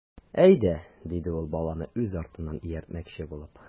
Әйдә,— диде ул, баланы үз артыннан ияртмөкче булып.